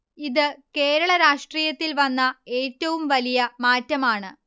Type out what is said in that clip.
ഇത് കേരള രാഷ്ട്രീയത്തിൽ വന്ന ഏറ്റവും വലിയ മാറ്റമാണ്